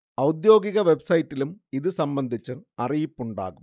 ഔദ്യോഗിക വെബ്സൈറ്റിലും ഇതുസംബന്ധിച്ച് അറിയിപ്പുണ്ടാകും